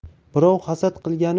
birov hasad qilgani